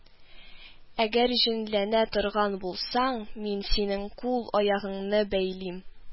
Әгәр җенләнә торган булсаң, мин синең кул-аягыңны бәйлим